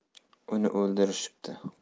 uni o'ldirishibdi